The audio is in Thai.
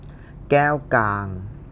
แก้วกลาง